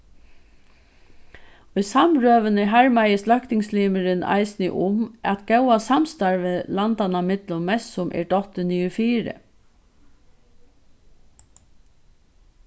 í samrøðuni harmaðist løgtingslimurin eisini um at góða samstarvið landanna millum mestsum er dottið niðurfyri